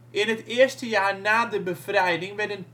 In het eerste jaar na de bevrijding werden